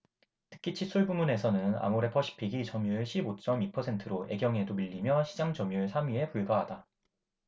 특히 칫솔 부문에서는 아모레퍼시픽이 점유율 십 오 쩜 이 퍼센트로 애경에도 밀리며 시장점유율 삼 위에 불과하다